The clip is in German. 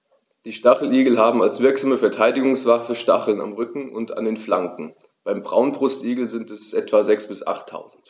Die Stacheligel haben als wirksame Verteidigungswaffe Stacheln am Rücken und an den Flanken (beim Braunbrustigel sind es etwa sechs- bis achttausend).